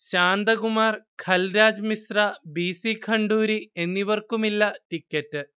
Shantakumar, Kalraj Mishra, B. C Khanduri എന്നിവർക്കുമില്ല ticket